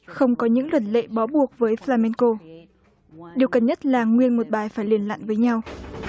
không có những luật lệ bó buộc với phờ lam mi cô điều cần nhất là nguyên một bài phải liền lặn với nhau